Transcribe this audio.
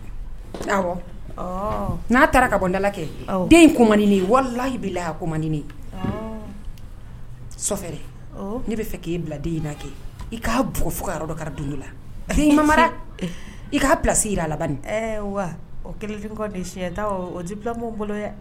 N'a taara kada kɛ ko man walalayi' la ko man so ne b bɛ fɛ k'i bila den inina kɛ i k'a bɔ fo yɔrɔ ka dugu la den ma i k'a bilasi a la wa o kelen bila bolo